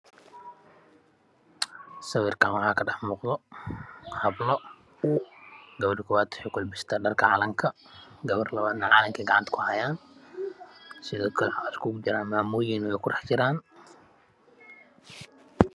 Sawirkaan waxaa kamuuqdo hablo gadha koobaad waxay kula bisantahay calanka soomaliya gabadha labaadna calankey gacanta ku hayaan sidookale maamooyina way ku dhexjiraan